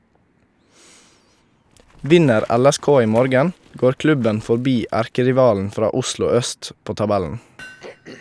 Vinner LSK i morgen, går klubben forbi erkerivalen fra Oslo øst på tabellen.